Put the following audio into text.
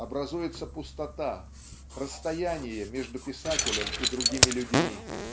образуется пустота, расстояние между писателем и другими людьми.